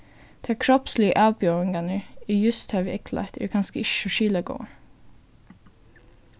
tær kropsligu avbjóðingarnar eg júst havi eygleitt eru kanska ikki so skilagóðar